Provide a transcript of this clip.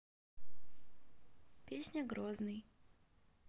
песня грозный